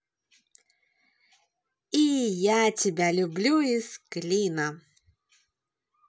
и я тебя люблю из клина